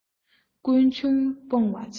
ཀུན འབྱུང སྤོང བར བྱ